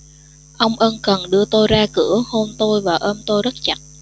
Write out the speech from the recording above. ông ân cần đưa tôi ra cửa hôn tôi và ôm tôi rất chặt